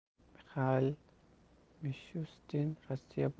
mixail mishustin rossiya